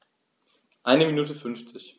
Eine Minute 50